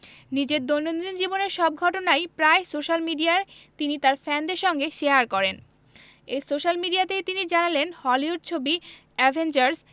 নিজের দৈনন্দিন জীবনের সব ঘটনাই প্রায় সোশ্যাল মিডিয়ায় তিনি তার ফ্যানেদের সঙ্গে শেয়ার করেন সেই সোশ্যাল মিডিয়াতেই তিনি জানালেন হলিউড ছবি অ্যাভেঞ্জার্স